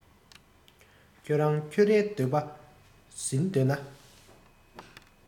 ཁྱོད རང ཁྱོད རའི འདོད པ ཟིན འདོད ན